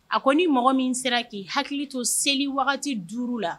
A ko ni mɔgɔ min sera k'i hakili to seli wagati duuru la